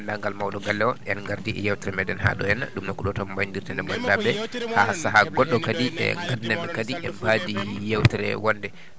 dendagal mawɗo galle o en gardi e yewtere meɗen haɗo henna ɗumne ko ɗo tan baynodirten e banndiraaɓe haa sahaa goɗɗo kadi e gardinen ɓe kadi e fadi yewtere wonde